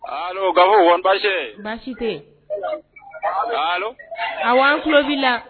Nkalon ka fɔ w baasise baasi tɛ nkalon a'an tulo' la